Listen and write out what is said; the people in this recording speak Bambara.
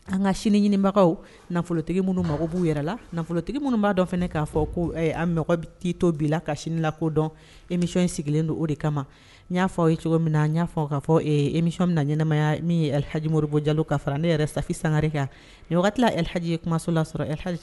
An ka sini ɲinibagaw nafolotigi minnu mako b'u yɛrɛ la nafolotigi minnu b'a dɔ fana k'a fɔ ko an bɛ'i to bila ka sini la ko dɔn emi nisɔn in sigilen don o de kama n y'a fɔ aw ye cogo min na n y'a fɔ ka fɔ emi min na ɲɛnaɛnɛmaya min alihahjimo bɔ jalo'a fara ne yɛrɛ sa sangaɛrɛre kan tilahajiye kumaso la sɔrɔha